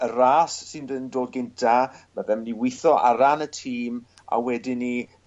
y ras sy'n d- yn dod gynta ma' fe myn' i witho ar ran y tîm a wedyn 'ny